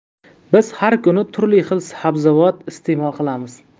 biz har kuni turli xil sabzavot iste'mol qilamiz